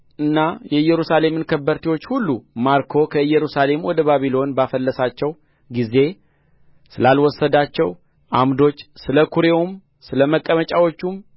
እና የኢየሩሳሌምን ከበርቴዎች ሁሉ ማርኮ ከኢየሩሳሌም ወደ ባቢሎን ባፈለሳቸው ጊዜ ስላልወሰዳቸው ዓምዶች ስለ ኩሬውም ስለ መቀመጫዎቹም